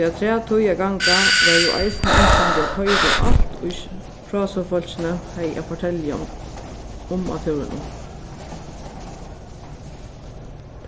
tí afturat tí at ganga var jú eisini ynskjandi at hoyra um alt ið frásøgufólkini hevði at fortelja um á túrinum